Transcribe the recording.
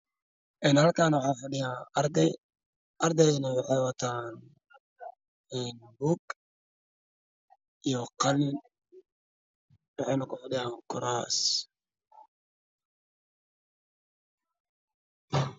Halkaan waxaa fadhiyo arday waxay wataan buug iyo qalin waxayna kufadhiyaan kuraasman.